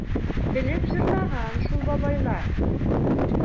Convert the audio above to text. Белеп җырлаган шул бабайлар...